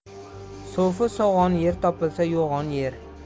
so'fi so'g'on yer topilsa yo'g'on yer